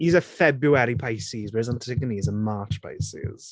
He's a February Pisces, whereas Antigone is a March Pisces.